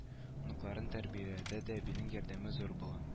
Оныкларын тәрбияләүдә дә әбинең ярдәме зур була